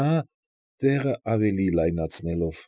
Նա, տեղը ավելի լայնացնելով։ ֊